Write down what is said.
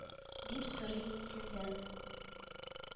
Дип сорыйм мин сездән